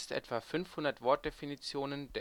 etwa 500 Wortdefinitionen